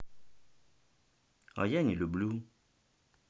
а я не люблю